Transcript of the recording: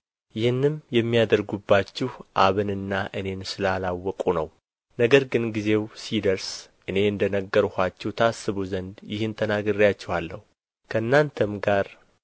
ይህን የሚያደርጉባችሁ አብንና እኔን ስላላወቁ ነው ነገር ግን ጊዜው ሲደርስ እኔ እንደ ነገርኋችሁ ታስቡ ዘንድ ይህን ተናግሬአችኋለሁ ከእንናንተም ጋር